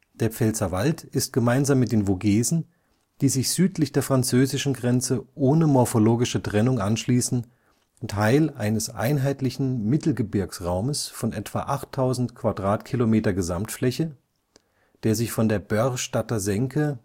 Der Pfälzerwald ist gemeinsam mit den Vogesen, die sich südlich der französischen Grenze ohne morphologische Trennung anschließen, Teil eines einheitlichen Mittelgebirgsraumes von etwa 8000 km² Gesamtfläche, der sich von der Börrstadter Senke